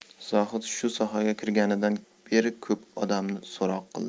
zohid shu sohaga kirganidan beri ko'p odamni so'roq qildi